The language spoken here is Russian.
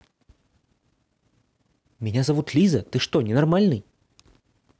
меня зовут лиза ты что ненормальный